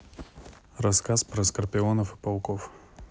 рассказ про скорпионов и пауков